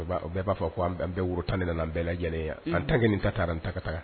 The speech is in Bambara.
Bɛɛ b'a fɔ ko' an bɛɛ woro tan ni nana bɛɛ lajɛlen an tan kelen ta taa n ta ka taa